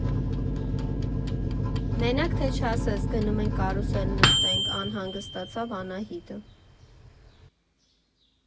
֊ Մենակ թե չասես՝ գնում ենք կարուսել նստենք, ֊ անհանգստացավ Անահիտը։